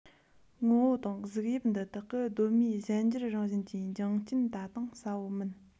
ངོ བོ དང གཟུགས དབྱིབས འདི དག གི གདོད མའི གཞན འགྱུར རང བཞིན གྱི འབྱུང རྐྱེན ད དུང གསལ པོ མིན